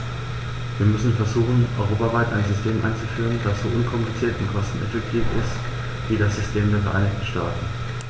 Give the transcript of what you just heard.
Wir müssen versuchen, europaweit ein System einzuführen, das so unkompliziert und kosteneffektiv ist wie das System der Vereinigten Staaten.